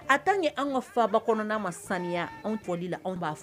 A' ye an ka fa ba kɔnɔ'a ma saniya anw tɔli la anw b'a fɛ